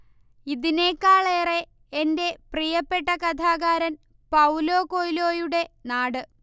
ഇതിനേക്കാളേറെ എന്റെ പ്രിയപ്പെട്ട കഥാകാരൻ പൌലോ കൊയ്ലോയുടെ നാട്